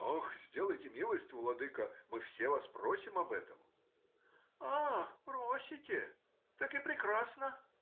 — Ах, сделайте милость, владыко; мы все вас просим об этом! — А, просите? — так и прекрасно